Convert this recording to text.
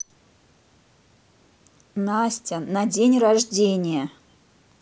настя на день рождения